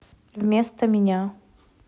вместо меня